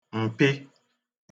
m̀pị